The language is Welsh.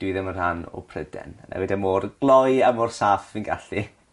dwi ddim yn rhan o Pryden. Wnâi weud e mor gloi a mor saff fi'n gallu.